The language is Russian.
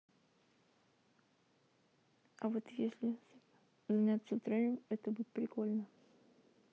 а вот если сексом заняться втроем это будет прикольно